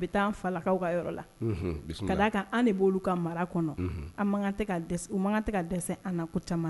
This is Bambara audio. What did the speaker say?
A bɛ taa falakaw ka yɔrɔ la ka kan an de b' ka mara kɔnɔ an ka dɛsɛ an na ko caman